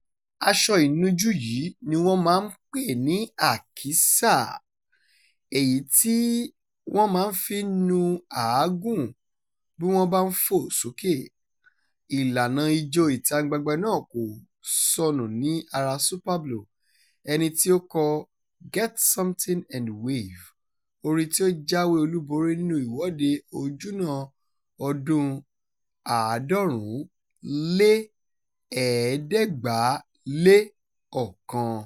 Aṣọ inujú yìí ni wọ́n máa ń pè ní "àkísà", èyí tí wọn máa fi ń nu àágùn bí wọ́n bá ń "fò sókè". Ìlànà Ijó ìta-gbangba náà kò sọnù ní ara Super Blue, ẹni tí ó kọ "Get Something and Wave", orin tí ó jáwé olúborí nínú Ìwọ́de Ojúnà ọdún-un 1991.